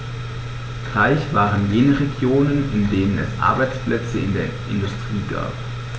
Reich waren jene Regionen, in denen es Arbeitsplätze in der Industrie gab.